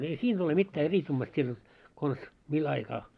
ei siinä ole mitään eriskummallista siinä jotta konsa millä aikaa